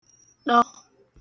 ṭo